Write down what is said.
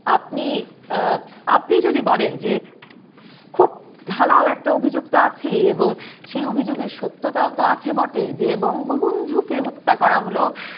আপনি আপনি যদি বলেন যে খুব ঢালাও একটা অভিযোগ তো আছেই এবং সে অভিযোগের সত্যতাও তো আছে বটে যে বঙ্গবন্ধুকে হত্যা করা হলো